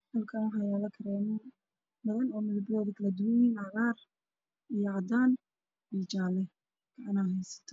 Waa dukaan waxaa lagu iibinayaa caagado ay ku jiraan saliid qof ayaa gacan ku hayo caagad saliid ah